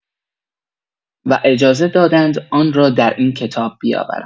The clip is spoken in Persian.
و اجازه دادند آن را در این کتاب بیاورم.